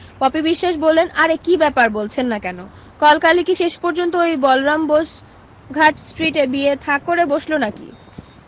poppy বিশ্বাস বললেন আরে কী ব্যাপার বলছেন না কেন কলকালি কী শেষ পর্য্যন্ত ওই বলরাম বোস ঘাট স্ট্রীটে বিয়ে থা করে বসলো নাকি